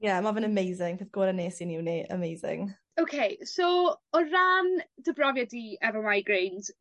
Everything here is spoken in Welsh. Ie ma' fe'n amazing peth gore nes i yn uni. Amazing. Oce so, o ran dy brofiad di efo migraines